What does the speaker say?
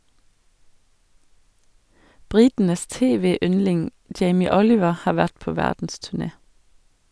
Britenes tv-yndling Jamie Oliver har vært på verdensturné.